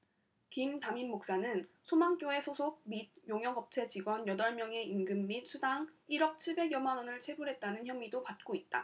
김 담임목사는 소망교회 소속 및 용역업체 직원 여덟 명의 임금 및 수당 일 억 칠백 여만원을 체불했다는 혐의도 받고 있다